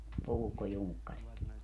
puukkojunkkarit